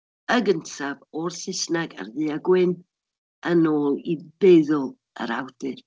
Y gyntaf o'r Saesneg ar ddu a gwyn yn ôl i feddwl yr awdur.